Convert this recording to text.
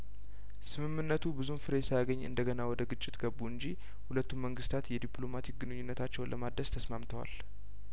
ስምምነቱ ብዙም ፍሬ ሳያገኝ እንደገና ወደ ግጭት ገቡ እንጂ ሁለቱም መንግስታት የዲፕሎማቲክ ግንኙነታቸውን ለማደስ ተስማምተዋል